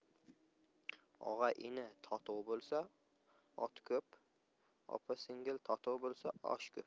og'a ini totuv bo'lsa ot ko'p opa singil totuv bo'lsa osh ko'p